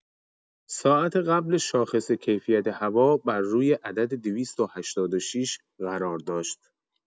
ساعت قبل شاخص کیفیت هوا بر روی عدد ۲۸۶ قرار داشت.